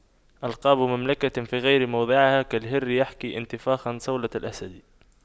ألقاب مملكة في غير موضعها كالهر يحكي انتفاخا صولة الأسد